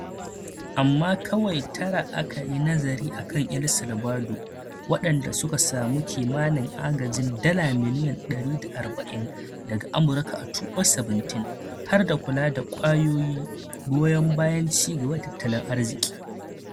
Amma kawai tara aka yi nazari akan El Salvador, waɗanda suka samu kimanin agajin dala miliyan 140 daga Amurka a 2017, harda kula da kwayoyi, goyon bayan ci gaba da tattalin arziki.